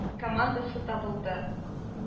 Командасы табылды